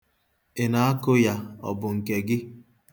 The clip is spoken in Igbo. Ị na-akụ ya ọ bụ nke gị?